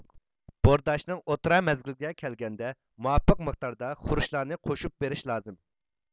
بورداشنىڭ ئوتتۇرا مەزگىلىگە كەلگەندە مۇۋاپىق مىقداردا خۇرۇچلارنى قوشۇپ بېرىش لازىم